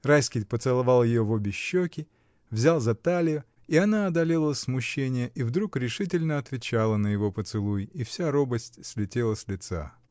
Райский поцеловал ее в обе щеки, взял за талию, и она одолела смущение и вдруг решительно отвечала на его поцелуй, и вся робость слетела с лица.